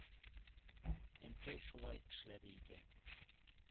Әнкәй шулай эшләде икән?